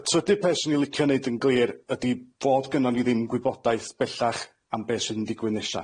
Y trydydd peth 'swn i'n licio neud yn glir ydi fod gynnon ni ddim gwybodaeth bellach am be' sydd yn ddigwydd nesa.